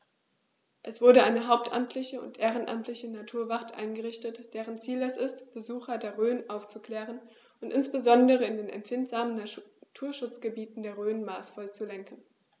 Es wurde eine hauptamtliche und ehrenamtliche Naturwacht eingerichtet, deren Ziel es ist, Besucher der Rhön aufzuklären und insbesondere in den empfindlichen Naturschutzgebieten der Rhön maßvoll zu lenken.